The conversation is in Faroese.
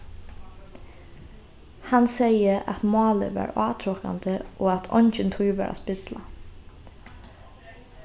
hann segði at málið var átrokandi og at eingin tíð var at spilla